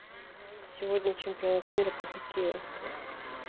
сегодня чемпионат мира по хоккею